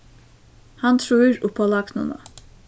hann trýr upp á lagnuna